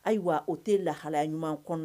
Ayiwa o tɛ lahalaya ɲuman kɔnɔ